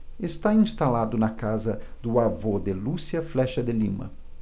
está instalado na casa do avô de lúcia flexa de lima